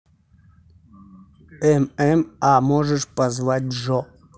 эм эм а можешь позвать жо